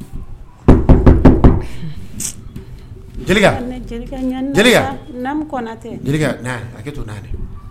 To